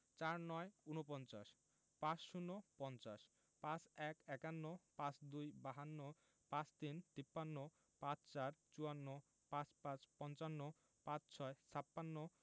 ৪৯ – উনপঞ্চাশ ৫০ - পঞ্চাশ ৫১ – একান্ন ৫২ - বাহান্ন ৫৩ - তিপ্পান্ন ৫৪ - চুয়ান্ন ৫৫ – পঞ্চান্ন ৫৬ – ছাপ্পান্ন